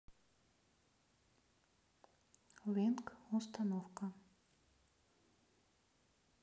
wink установка